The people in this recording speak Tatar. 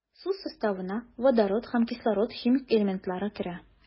Су составына водород һәм кислород химик элементлары керә.